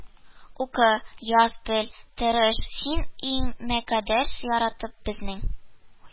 Укы, яз, бел, тырыш син, иң мөкаддәс яртыбыз безнең